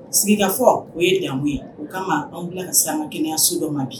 Sigikafɔ o ye daamɔmu ye o kama anw wulila ka sé an ka kɛnɛya so dɔ ma bi